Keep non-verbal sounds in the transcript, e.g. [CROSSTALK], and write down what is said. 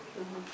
[HESITATION] [HESITATION]